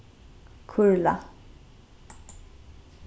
kurla